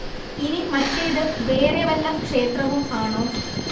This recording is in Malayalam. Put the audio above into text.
ഇനി മറ്റേത് വേറെ വല്ല ക്ഷേത്രവും ആണോ